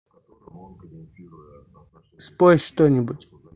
спой что нибудь